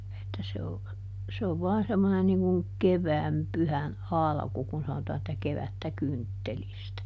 että se on se on vain semmoinen niin kuin kevään pyhän alku kun sanotaan että kevättä kynttelistä